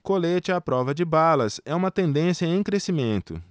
colete à prova de balas é uma tendência em crescimento